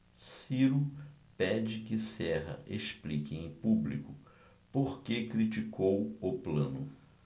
ciro pede que serra explique em público por que criticou plano